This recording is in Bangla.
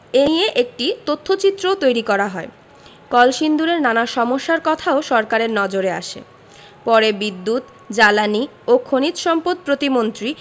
এ নিয়ে একটি তথ্যচিত্রও তৈরি করা হয় কলসিন্দুরের নানা সমস্যার কথাও সরকারের নজরে আসে পরে বিদ্যুৎ জ্বালানি ও খনিজ সম্পদ প্রতিমন্ত্রী